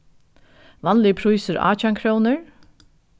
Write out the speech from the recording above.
vanligur prísur átjan krónur